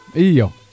iyoo